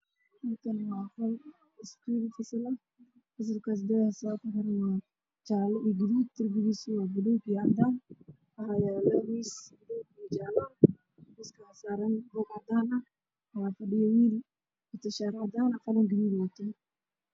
Meeshaan waxa fadhiyo wiil heysto warqad iyo qalin guduud ah